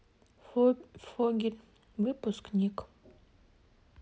фогель выпускник